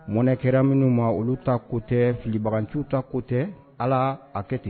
Mɔnɛ kɛra minnu ma olu ta ko tɛɛ filibaganciw ta ko tɛ Alaa a kɛ ten